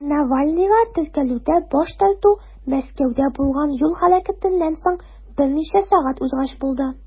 Навальныйга теркәлүдә баш тарту Мәскәүдә булган юл һәлакәтеннән соң берничә сәгать узгач булды.